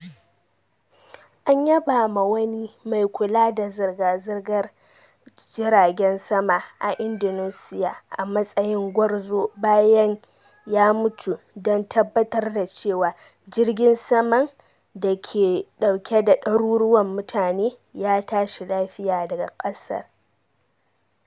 An yaba ma wani mai kula da zirga-zirgar jiragen sama a Indonesiya a matsayin gwarzo bayan ya mutu don tabbatar da cewa jirgin saman da ke dauke da daruruwan mutane ya tashi lafiya daga ƙasa.